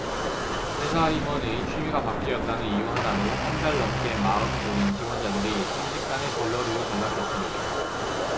회사 임원의 취미가 바뀌었다는 이유 하나로 한 달 넘게 마음 졸인 지원자들이 순식간에 들러리로 전락했습니다